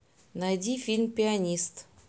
найди фильм пианист